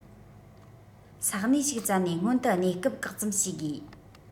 ས གནས ཞིག བཙལ ནས སྔོན དུ གནས སྐབས བཀག ཙམ བྱས དགོས